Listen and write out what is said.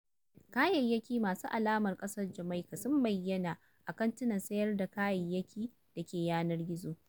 Kayayyaki masu alamun ƙasar Jamaika sun bayyana a kantinan sayar da kayayyaki da ke yanar gizo,